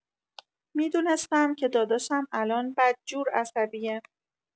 می‌دونستم که داداشم الان بدجور عصبیه